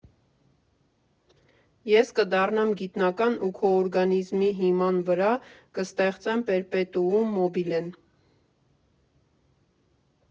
Ես կդառնամ գիտնական ու քո օրգանիզմի հիման վրա կստեղծեմ պերպետուում մոբիլեն։